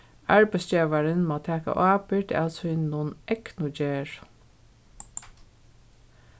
arbeiðsgevarin má taka ábyrgd av sínum egnu gerðum